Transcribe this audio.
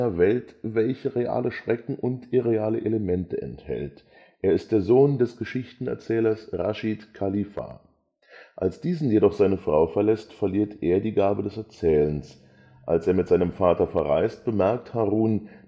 Welt, welche reale Schrecken und irreale Elemente enthält. Er ist der Sohn des Geschichtenerzählers Raschid Khalifa. Als diesen jedoch seine Frau verlässt, verliert er die Gabe des Erzählens. Als er mit seinem Vater verreist, bemerkt Harun